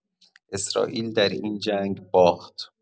اسراییل در این جنگ باخت.